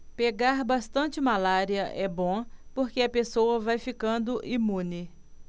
pegar bastante malária é bom porque a pessoa vai ficando imune